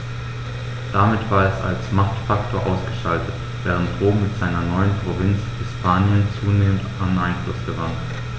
Damit war es als Machtfaktor ausgeschaltet, während Rom mit seiner neuen Provinz Hispanien zunehmend an Einfluss gewann.